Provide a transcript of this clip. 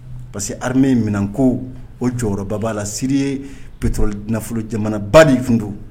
Parce que hamɛ minɛn ko o cɛkɔrɔbaba' la si ye poro nafolo jamanaba de tun don